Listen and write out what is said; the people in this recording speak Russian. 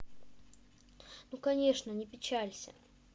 ну конечно не печалься